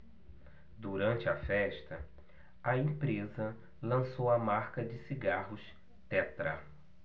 durante a festa a empresa lançou a marca de cigarros tetra